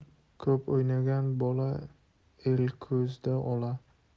ko'p o'ynagan bola el ko'zida ola